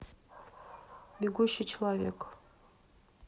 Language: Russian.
бегущий человек